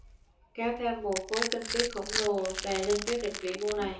kéo theo một khối kinh phí khổng lồ đè lên quyết định vĩ mô này